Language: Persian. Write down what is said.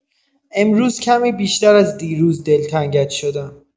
امروز کمی بیشتر از دیروز دلتنگت شدم.